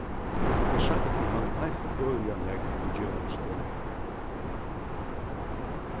eg sakni hann heilt øgiliga nógv í gerandisdegnum